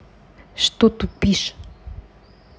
что тупишь